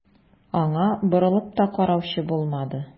Аңа борылып та караучы булмады.